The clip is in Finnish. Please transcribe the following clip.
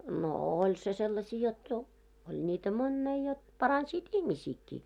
no oli se sellaisia jotta - oli niitä monia jotta paransivat ihmisiäkin